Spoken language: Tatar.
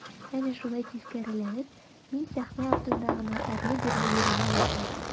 Әнә шулай тискәреләнеп мин сәхнә артында гына әрле-бирле йөренә башладым.